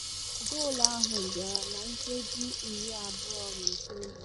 Goolu ahụ bịara na nkeji 29.